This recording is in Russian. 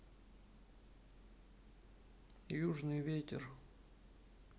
южный ветер